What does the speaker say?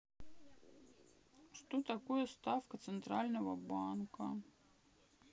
что такое ставка центрального банка